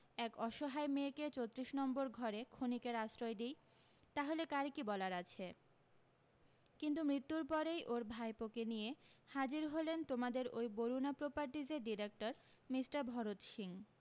এক অসহায় মেয়েকে চোত্রিশ নম্বর ঘরে ক্ষণিকের আশ্রয় দিই তাহলে কার কী বলার আছে কিন্তু মৃত্যুর পরেই ওর ভাইপোকে নিয়ে হাজির হলেন তোমাদের ওই বরুণা প্রপারটিজের ডিরেকটর মিষ্টার ভরত সিং